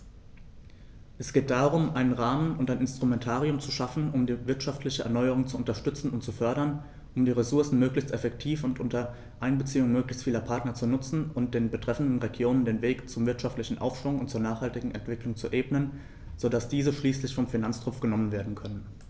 Es geht darum, einen Rahmen und ein Instrumentarium zu schaffen, um die wirtschaftliche Erneuerung zu unterstützen und zu fördern, um die Ressourcen möglichst effektiv und unter Einbeziehung möglichst vieler Partner zu nutzen und den betreffenden Regionen den Weg zum wirtschaftlichen Aufschwung und zur nachhaltigen Entwicklung zu ebnen, so dass diese schließlich vom Finanztropf genommen werden können.